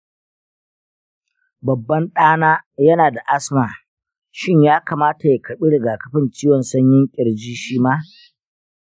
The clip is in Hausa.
babban ɗana yana da asma; shin ya kamata ya karɓi rigakafin ciwon sanyin ƙirji shi ma?